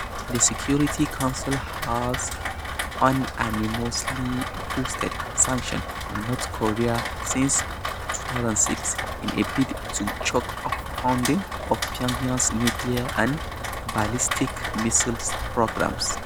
The Security Council has unanimously boosted sanctions on North Korea since 2006 in a bid to choke off funding for Pyongyang's nuclear and ballistic missile programs.